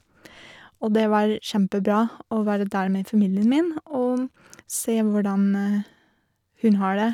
Og det var kjempebra å være der med familien min og se hvordan hun har det.